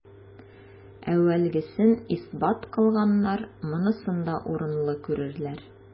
Әүвәлгесен исбат кылганнар монысын да урынлы күрерләр.